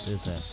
c' est ca